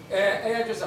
Ɛɛ e jo sa